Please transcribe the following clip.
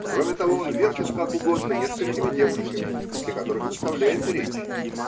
кроме того, он вертит как угодно несколькими девушками, для которых составляет речи